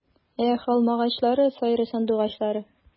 Эх, алмагачлары, сайрый сандугачлары!